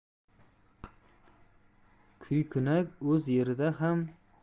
kuykunak o'z yerida ham